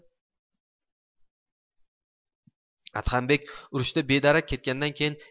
adhambek urushda bedarak ketgandan keyin